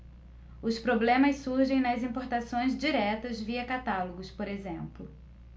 os problemas surgem nas importações diretas via catálogos por exemplo